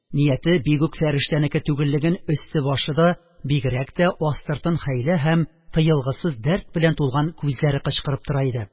Нияте бигүк фәрештәнеке түгеллеген өсте-башы да, бигрәк тә астыртын хәйлә һәм тыелгысыз дәрт белән тулган күзләре кычкырып тора иде.